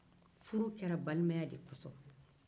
furu kɛra balimaya de kosɔn